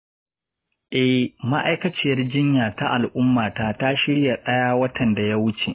eh, ma'aikaciyar jinya ta al'ummata ta shirya ɗaya watan da ya wuce.